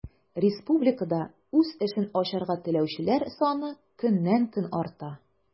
Республикада үз эшен ачарга теләүчеләр саны көннән-көн арта.